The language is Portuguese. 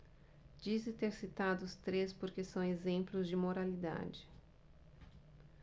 disse ter citado os três porque são exemplos de moralidade